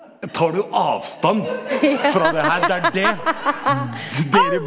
tar du avstand fra det her det er dét dere.